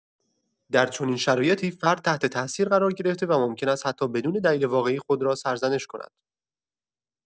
در چنین شرایطی، فرد تحت‌تاثیر قرار گرفته و ممکن است حتی بدون دلیل واقعی، خود را سرزنش کند.